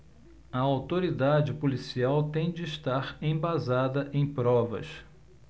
a autoridade policial tem de estar embasada em provas